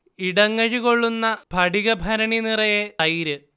ഇടങ്ങഴി കൊള്ളുന്ന സ്ഫടിക ഭരണി നിറയെ തൈര്